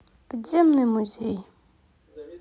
подземный музей